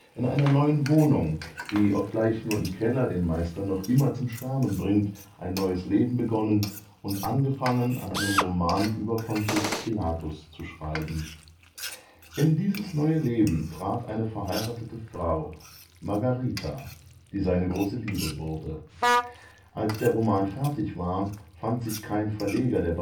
in einer neuen Wohnung (die, obgleich nur im Keller, den Meister noch immer zum Schwärmen bringt) ein neues Leben begonnen und angefangen, an einem Roman über Pontius Pilatus zu schreiben. In dieses neue Leben trat eine verheiratete Frau, Margarita, die seine große Liebe wurde. Als der Roman fertig war, fand sich kein Verleger, der